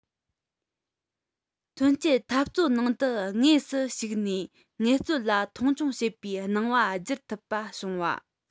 ཐོན སྐྱེད འཐབ རྩོད ནང དུ དངོས སུ ཞུགས ནས ངལ རྩོལ ལ མཐོང ཆུང བྱེད པའི སྣང བ འགྱུར ཐུབ པ བྱུང བ